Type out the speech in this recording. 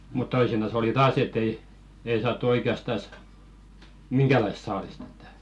mutta toisinaan oli taas että ei ei saatu oikeastaan minkäänlaista saalista että